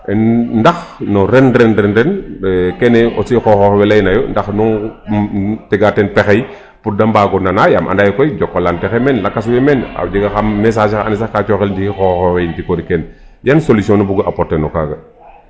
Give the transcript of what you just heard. Ndax no ren ren ren kene aussi xooxoox we laynaayo ndax nu tega ten pexey pour de mbaag o nanaa yaam anda yee koy Jokalante xey meen lakas we way meen a jega xa message xa andoona yee sax ka cooxel ndiiki xooxoox we yiin tikorik kene yan solution nu mbugu apporter no kaaga.